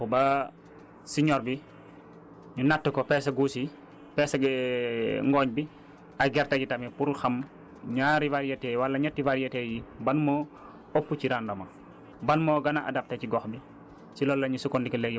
donc yooyu tamit dañ koy topp ba si ñor bi ñu natt ko peese guus yi peese ngooñ bi ak gerte gi tamit pour xam ñaari variétés yi wala ñetti variétés yi ban moo ëpp ci rendement ban moo gën a adapté ci gox bi